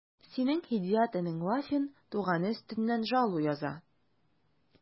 Синең Һидият энең Вафин туганы өстеннән жалу яза...